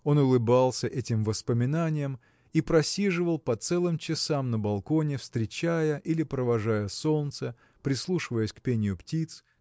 Он улыбался этим воспоминаниям и просиживал по целым часам на балконе встречая или провожая солнце прислушиваясь к пению птиц